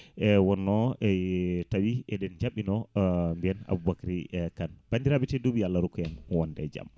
e wonno e tawi eɗen jabɓino biyen Aboubacry Kane bandiraɓe tetduɓe yo Allah rokku en wonde jaam